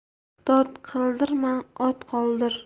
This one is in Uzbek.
dod qoldirma ot qoldir